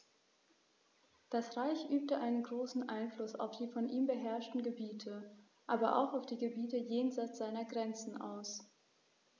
Das Reich übte einen großen Einfluss auf die von ihm beherrschten Gebiete, aber auch auf die Gebiete jenseits seiner Grenzen aus.